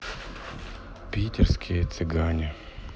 питерские цыгане